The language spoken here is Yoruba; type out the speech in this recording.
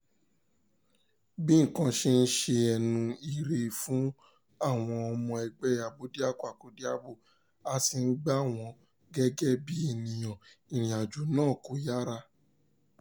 Bí nǹkan ṣe ń ṣe ẹnu ire fún àwọn ọmọ ẹgbẹ́ Abódiakọ-akọ́diabo a sì ń gbà wọ́n gẹ́gẹ́ bí ènìyàn, ìrìnàjò náà kò yàrá.